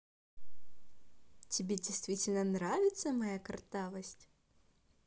тебе действительно нравится моя картавость